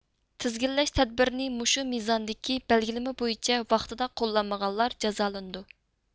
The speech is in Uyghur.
تىزگىنلەش تەدبىرىنى مۇشۇ نىزامدىكى بەلگىلىمە بويىچە ۋاقتىدا قوللانمىغانلار جازالىنىدۇ